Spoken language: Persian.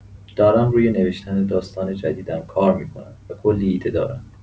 دارم روی نوشتن داستان جدیدم کار می‌کنم و کلی ایده دارم.